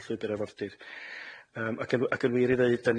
yym llwybr arfordir yym ac yn w- ac yn wir i ddeud 'dan